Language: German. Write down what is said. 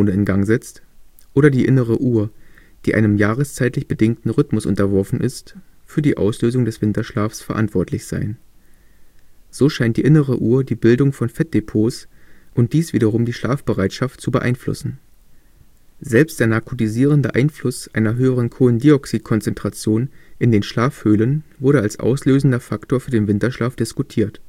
in Gang setzt – oder die innere Uhr, die einem jahreszeitlich bedingten Rhythmus unterworfen ist, für die Auslösung des Winterschlafs verantwortlich sein. So scheint die innere Uhr die Bildung von Fettdepots und dies wiederum die Schlafbereitschaft zu beeinflussen. Selbst der narkotisierende Einfluss einer höheren Kohlendioxidkonzentration in den Schlafhöhlen wurde als auslösender Faktor für den Winterschlaf diskutiert